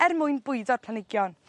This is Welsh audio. er mwyn bwydo'r planigion.